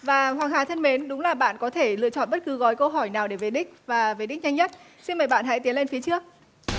và hoàng hà thân mến đúng là bạn có thể lựa chọn bất cứ gói câu hỏi nào để về đích và về đích nhanh nhất xin mời bạn hãy tiến lên phía trước